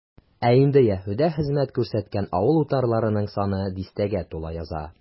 Ә инде Яһүдә хезмәт күрсәткән авыл-утарларның саны дистәгә тула яза.